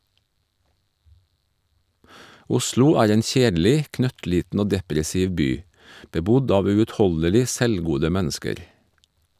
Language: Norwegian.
Oslo er en kjedelig, knøttliten og depressiv by, bebodd av uutholdelig selvgode mennesker.